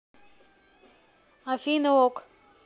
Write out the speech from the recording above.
afina ок